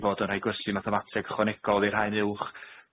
i fod yn rhoi gwersi mathemateg ychwanegol i'r haun uwch,